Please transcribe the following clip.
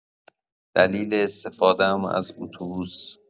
دلیل استفاده‌ام از اتوبوس